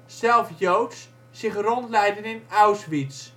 zelf Joods, zich rondleiden in Auschwitz